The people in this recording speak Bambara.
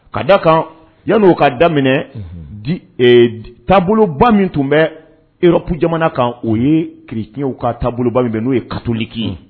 Ka da kan yann'o ka daminɛ, di ɛɛ di taabolo ba min tun bɛ Europe jamana kan o ye chrétien ka taabolo ba min bɛ, n'o ye catholique ye